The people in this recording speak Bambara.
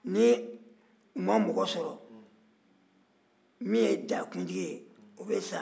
n'u ma mɔgɔ sɔrɔ min ye dakuntigi ye o bɛ sa